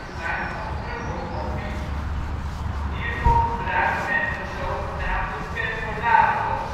maken van pruttelkoffie, hiervoor gebruikt met een zogenaamde percolator